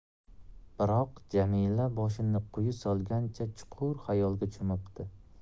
biroq jamila boshini quyi solgancha chuqur xayolga cho'mibdi